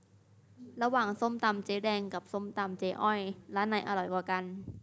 ระหว่างส้มตำเจ๊แดงกับส้มตำเจ๊อ้อยร้านไหนอร่อยกว่ากัน